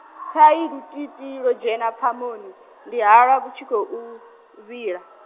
thai lutiitii lwo dzhena pfamoni, ndi halwa vhu tshi khou, vhila.